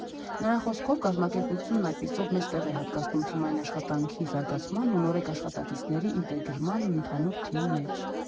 Նրա խոսքով՝ կազմակերպությունն այդպիսով մեծ տեղ է հատկացնում թիմային աշխատանքի զարգացմանն ու նորեկ աշխատակիցների ինտեգրմանն ընդհանուր թիմի մեջ։